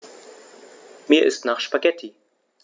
Mir ist nach Spaghetti.